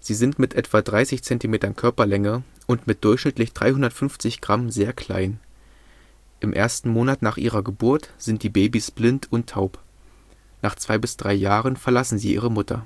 Sie sind mit etwa 30 cm Körperlänge und mit durchschnittlich 350 g sehr klein. Im ersten Monat nach ihrer Geburt sind die Babys blind und taub. Nach zwei bis drei Jahren verlassen sie ihre Mutter